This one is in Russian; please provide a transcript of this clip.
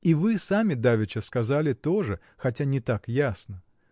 И вы сами давеча сказали то же, хотя не так ясно.